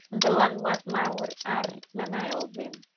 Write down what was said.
yn ddylanwad mawr ar Menna Elfyn